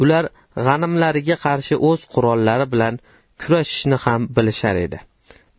ular g'animlariga qarshi o'z qurollari bilan kurashishni ham bilishar edi